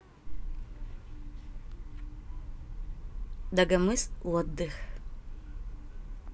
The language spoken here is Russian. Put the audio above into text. дагомыс отдых